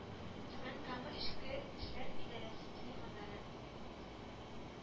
Түбән Кама эчке эшләр идарәсе телефоннары: